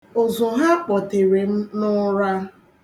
Ụzụ ha kpọtere m n'ụra.